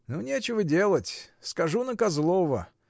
— Ну, нечего делать: скажу на Козлова.